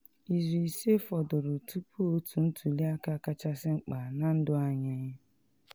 Izu ise fọdụrụ tupu otu ntuli aka kachasị mkpa na ndụ anyị.